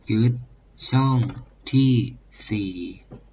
ยึดช่องที่สี่